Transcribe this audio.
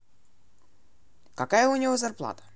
какая у него зарплата